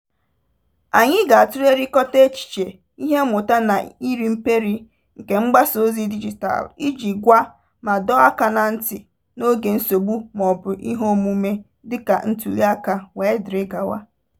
Anyị ga-atụlerịkọta echiche, ihe mmụta na iri mperi nke mgbasaozi dijitaalụ iji gwa ma dọọ aka na ntị n'oge nsogbu maọbụ iheomume (dịka ntuliaka wdg...).